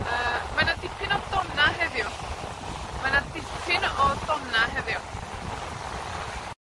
A mae 'na dipyn o dona' heddiw, mae 'na dipyn o dona' heddiw.